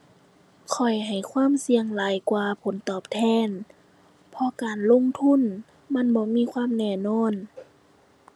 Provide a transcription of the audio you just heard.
ข้อยให้ความเสี่ยงหลายกว่าผลตอบแทน เพราะการลงทุนมันบ่มีความแน่นอน